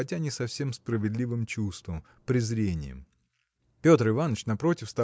хотя не совсем справедливым чувством – презрением. Петр Иваныч напротив